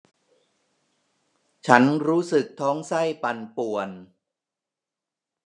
ฉันรู้สึกท้องไส้ปั่นป่วน